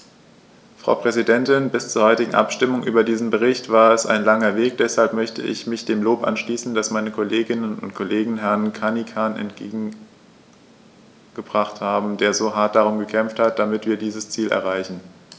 Frau Präsidentin, bis zur heutigen Abstimmung über diesen Bericht war es ein langer Weg, deshalb möchte ich mich dem Lob anschließen, das meine Kolleginnen und Kollegen Herrn Cancian entgegengebracht haben, der so hart darum gekämpft hat, damit wir dieses Ziel erreichen.